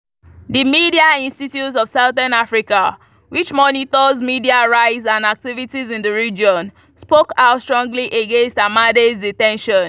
The Media Institute of Southern Africa, which monitors media rights and activities in the region, spoke out strongly against Amade's detention: